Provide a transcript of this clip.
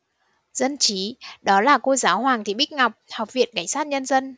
dân trí đó là cô giáo hoàng thị bích ngọc học viện cảnh sát nhân dân